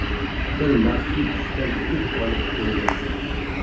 bir maxfiy ishdan hid olib qo'ygansan